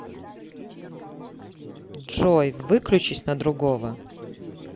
джой выключись на другого